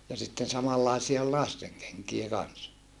ja sitten samanlaisia oli lasten kenkiä kanssa